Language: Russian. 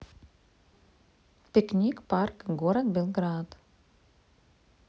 пикник парк город белград